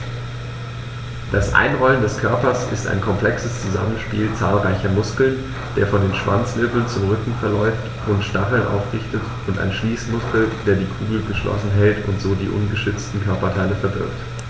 Das Einrollen des Körpers ist ein komplexes Zusammenspiel zahlreicher Muskeln, der von den Schwanzwirbeln zum Rücken verläuft und die Stacheln aufrichtet, und eines Schließmuskels, der die Kugel geschlossen hält und so die ungeschützten Körperteile verbirgt.